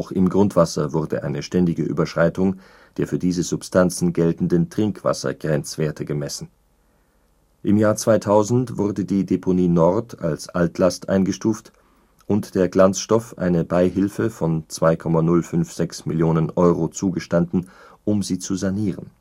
im Grundwasser wurde eine ständige Überschreitung der für diese Substanzen geltenden Trinkwassergrenzwerte gemessen. Im Jahr 2000 wurde die Deponie Nord als Altlast eingestuft und der Glanzstoff eine Beihilfe von 2,056 Millionen Euro zugestanden, um sie zu sanieren